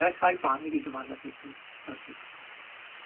Iaith Ffrangeg i gymharu â Saesneg? Chware teg.